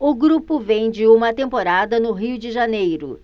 o grupo vem de uma temporada no rio de janeiro